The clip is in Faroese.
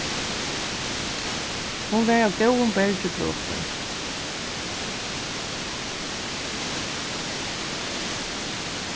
hon var av góðum bergi brotin